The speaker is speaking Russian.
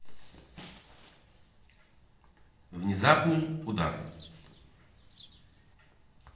внезапный удар